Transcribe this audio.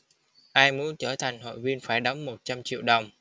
ai muốn trở thành hội viên phải đóng một trăm triệu đồng